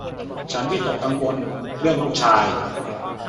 ฉันวิตกกังวลเรื่องลูกชาย